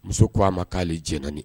Muso ko a ma kale jɛnna ni